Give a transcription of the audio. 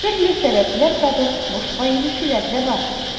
Төрле сәбәпләр табып бушка йөрүчеләр дә бар.